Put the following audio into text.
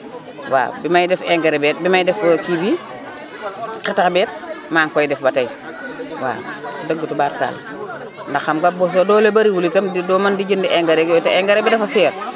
waaw bi may def engrais beek bi may def kii bi xetax beek maa ngi koy def ba tey waaw wax dëgg tubarfakala ndax xam nga bu sa doole bariwul itam doo mën di jënd engrais ak yooyu te engrais bi dafa cher